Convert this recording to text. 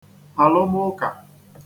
àlụmụkà